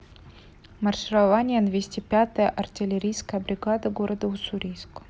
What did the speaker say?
марширование двести пятая артиллерийской бригады города уссурийск